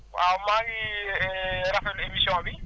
waaw maa ngi rafetlu émission bi